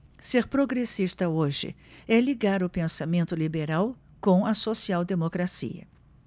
ser progressista hoje é ligar o pensamento liberal com a social democracia